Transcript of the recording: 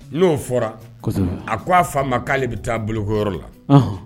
N'o fɔra a k' aa fa ma k'ale bɛ taa boloko yɔrɔ la